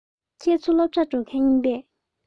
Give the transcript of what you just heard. ཁྱེད ཚོ སློབ གྲྭར འགྲོ མཁན ཡིན པས